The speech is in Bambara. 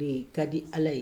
Nin ka di ala ye